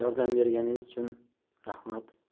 berganingiz uchun rahmat